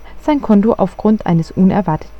Konto aufgrund eines unerwarteten